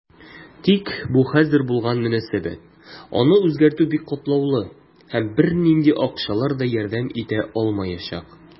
Тик бу хәзер булган мөнәсәбәт, аны үзгәртү бик катлаулы, һәм бернинди акчалар да ярдәм итә алмаячак.